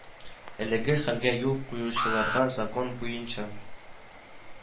Әлеге хәлгә юл куючыларга закон буенча